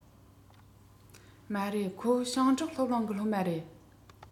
མ རེད ཁོ ཞིང འབྲོག སློབ གླིང གི སློབ མ རེད